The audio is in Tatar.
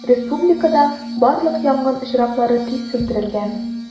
Республикадагы барлык янгын очраклары тиз сүндерелгән.